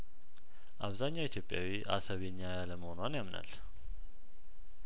አብዛኛው ኢትዮጵያዊ አሰብ የእኛ ያለመሆኗን ያምናል